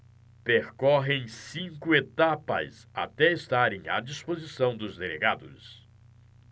percorrem cinco etapas até estarem à disposição dos delegados